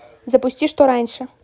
запусти что раньше